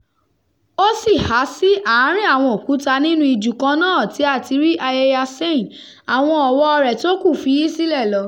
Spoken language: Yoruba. Ó sì há sí àárín àwọn òkúta nínú ijù kan náà tí a ti rí Ayeyar Sein, àwọn ọ̀wọ́ọ rẹ̀ tó kù fi í sílẹ̀ lọ.